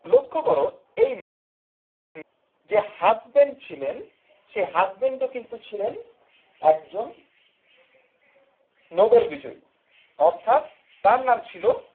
লক্ষ্য কর এই যে হাজব্যান্ড ছিলেন সে হাসব্যান্ডও কিন্তু ছিলেন একজন নোবেল বিজয়ী অর্থাৎ তার নাম ছিল